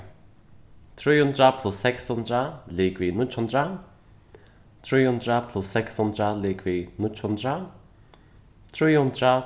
trý hundrað pluss seks hundrað ligvið níggju hundrað trý hundrað pluss seks hundrað ligvið níggju hundrað trý hundrað